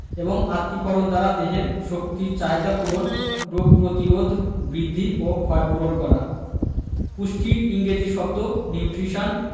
এবং আত্তীকরণ দ্বারা দেহের শক্তির চাহিদা পূরণ রোগ প্রতিরোধ বৃদ্ধি ও ক্ষয়পূরণ করা পুষ্টির ইংরেজি শব্দ নিউট্রিশন